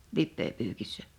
lipeäpyykissä